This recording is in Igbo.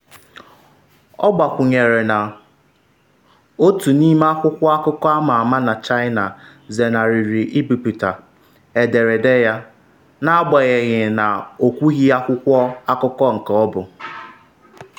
Ọ gbakwunyere na “otu n’ime akwụkwọ akụkọ ama ama na China zenarịrị ibiputa” ederede ya, n’agbanyeghị na o kwughị akwụkwọ akụkọ nke ọ bụ.